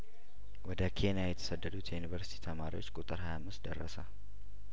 ወደ ኬንያ የተሰደዱት የዩኒቨርስቲ ተማሪዎች ቁጥር ሀያአምስት ደረሰ